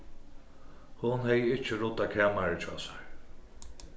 hon hevði ikki ruddað kamarið hjá sær